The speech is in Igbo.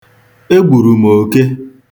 Egburu m oke.